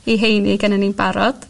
i heini gennyn ni'n barod.